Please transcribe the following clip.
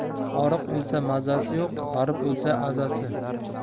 oriq o'lsa mazasi yo'q g'arib o'lsa azasi